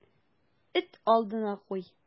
Эт алдына куй.